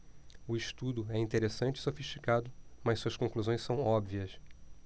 o estudo é interessante e sofisticado mas suas conclusões são óbvias